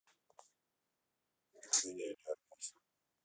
дыня или арбуз